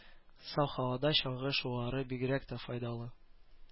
Саф һавада чаңгы шуулары бигрәк тә файдалы.